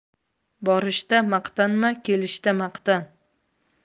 borishda maqtanma kelishda maqtan